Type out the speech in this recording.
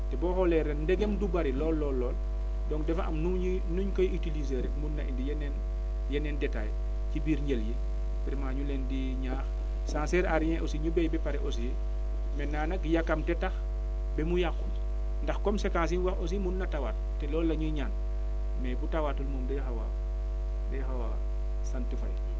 te boo xoolee ren ndegem du bëri lool lool lool donc dafa am nu ñuy nu ñu koy utiliser mun na indi yeneen yeneen détails ci biir njël yi vraiment ñu leen di ñaax ça ne sert à rien aussi ñu béy ba pare aussi maintenent nag yàkkamnti tax ba mu yàqu ndax comme séquences yi ñu wax aussi mun na tawaat te loolu la ñuy ñaan mais bu tawaatul moom day xaw a day xaw a sant Faye